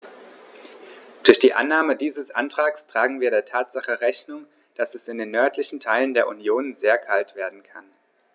Durch die Annahme dieses Antrags tragen wir der Tatsache Rechnung, dass es in den nördlichen Teilen der Union sehr kalt werden kann.